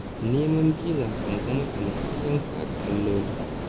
Neman biza kan zama tamkar yanka ga alloli.